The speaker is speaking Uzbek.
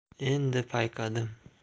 endi payqadim